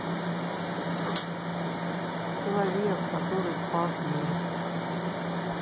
человек который спас мир